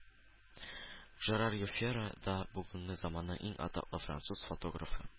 Жерар Юфера да – бүгенге заманның иң атаклы француз фотографы